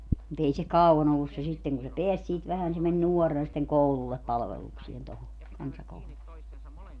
mutta ei se kauan ollut se sitten kun se pääsi siitä vähän niin se meni nuorena sitten koululle palvelukseen tuohon kansakoululle